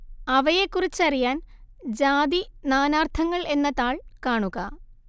അവയെക്കുറിച്ചറിയാൻ ജാതി നാനാർത്ഥങ്ങൾ എന്ന താൾ കാണുക